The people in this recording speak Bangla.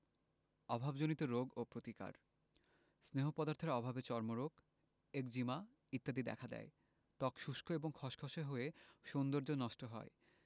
অভাবজনিত রোগ ও প্রতিকার স্নেহ পদার্থের অভাবে চর্মরোগ একজিমা ইত্যাদি দেখা দেয় ত্বক শুষ্ক এবং খসখসে হয়ে সৌন্দর্য নষ্ট হয়